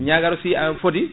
ñagara si a foti